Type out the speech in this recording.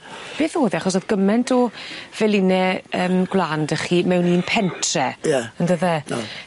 Beth o'dd e achos o'dd gyment o feline yym gwlân 'dy chi mewn un pentre. Ie. On'd yfe?